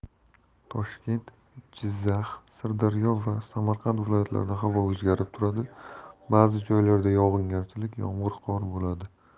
toshkent jizzax sirdaryo va samarqand viloyatlarida havo o'zgarib turadi ba'zi joylarda yog'ingarchilik yomg'ir qor bo'ladi